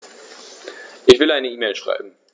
Ich will eine E-Mail schreiben.